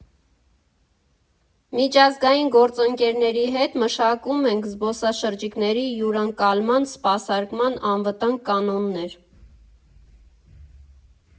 Միջազգային գործընկերների հետ մշակում ենք զբոսաշրջիկների հյուրընկալման, սպասարկման անվտանգ կանոններ։